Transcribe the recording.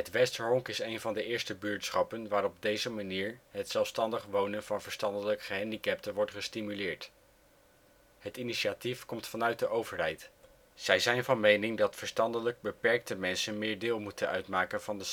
Westerhonk is een van de eerste buurtschappen waar op deze manier het zelfstandig wonen van verstandelijk gehandicapten wordt gestimuleerd. Het initiatief komt vanuit de overheid. Zij zijn van mening dat verstandelijk beperkte mensen meer deel moeten uitmaken van